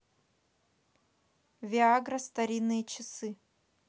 виа гра старинные часы